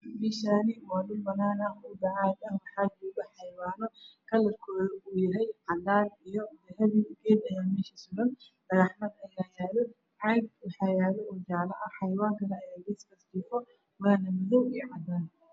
Meeshaan waa dhul banaan ah oo bacaad ah waxaa joogo xayawaano kalarkeedu uu yahay cadaan iyo dahabi. Geed ayaa meesha kabaxaayo. Dhagax ayaa yaalo iyo caag jaale ah meesha suran. Xayawaan kale ayaa geeskaas jiifo waana madow iyo cadaan.